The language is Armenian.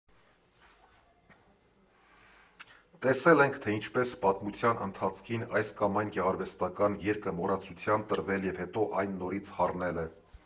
Տեսել ենք, թե ինչպես պատմության ընթացքին այս կամ այն գեղարվեստական երկը մոռացության տրվել և հետո այն նորից հառնել է։